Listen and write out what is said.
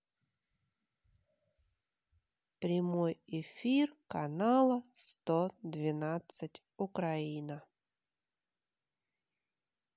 прямой эфир канала сто двенадцать украина